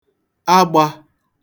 agbā